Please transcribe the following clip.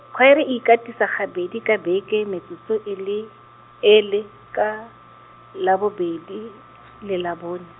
khwaere e ikatisa gabedi ka beke metsotso e le, e le ka, labobedi le Labone.